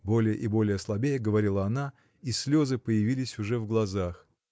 — более и более слабея, говорила она, и слезы появились уже в глазах.